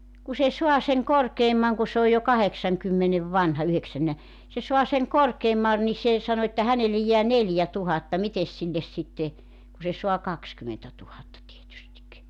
kun se saa sen korkeamman kun se on jo kahdeksankymmenen vanha yhdeksännellä se saa sen korkeamman niin se sanoi että hänelle jää neljätuhatta mitenkäs sille sitten kun se saa kaksikymmentätuhatta tietysti